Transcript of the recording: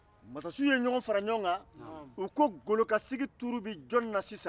mansasiw ye ɲɔgɔn fara ɲɔgɔn kan u ko golokansigi tuuru bɛ jɔnni na sisan